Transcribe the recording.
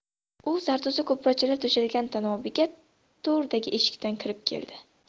u zardo'zi ko'rpachalar to'shalgan tanobiyga to'rdagi eshikdan kirib keldi